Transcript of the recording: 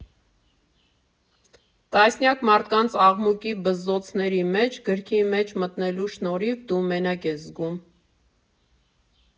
Տասնյակ մարդկանց աղմուկի, բզզոցների մեջ գրքի մեջ մտնելու շնորհիվ դու մենակ ես զգում։